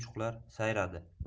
chum chuqlar sayradi